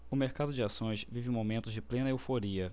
o mercado de ações vive momentos de plena euforia